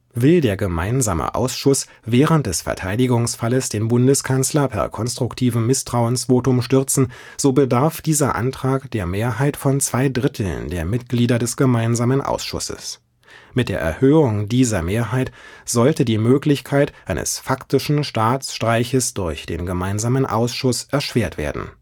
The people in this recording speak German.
Will der Gemeinsame Ausschuss während des Verteidigungsfalles den Bundeskanzler per konstruktivem Misstrauensvotum stürzen, so bedarf dieser Antrag der Mehrheit von zwei Dritteln der Mitglieder des Gemeinsamen Ausschusses. Mit der Erhöhung dieser Mehrheit sollte die Möglichkeit eines faktischen Staatsstreiches durch den Gemeinsamen Ausschuss erschwert werden